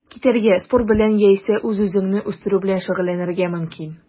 Китәргә, спорт белән яисә үз-үзеңне үстерү белән шөгыльләнергә мөмкин.